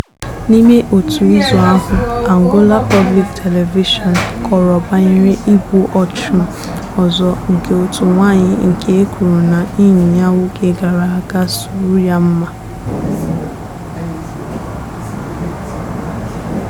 N'ime otu izu ahụ, Angola Public Television kọrọ banyere igbu ọchụ ọzọ nke ótù nwaanyị nke e kwuru na enyi ya nwoke gara aga sụrụ ya mmà.